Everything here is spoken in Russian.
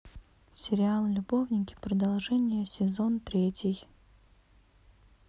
сериал любовники продолжение сезон третий